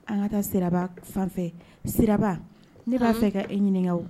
An ka taa siraba fan siraba ne b'a fɛ ka e ɲininkakaw